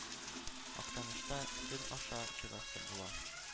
Актанышка Сөн аша чыгасы була.